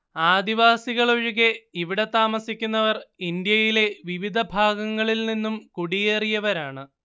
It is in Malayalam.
ആദിവാസികൾ ഒഴികെ ഇവിടെ താമസിക്കുന്നവർ ഇന്ത്യയിലെ വിവിധ ഭാഗങ്ങളില് നിന്നും കുടിയേറിയവരാണ്